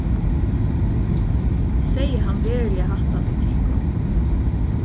segði hann veruliga hatta við tykkum